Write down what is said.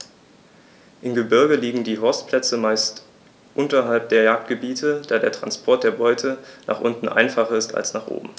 Im Gebirge liegen die Horstplätze meist unterhalb der Jagdgebiete, da der Transport der Beute nach unten einfacher ist als nach oben.